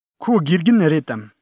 ཁོ དགེ རྒན རེད དམ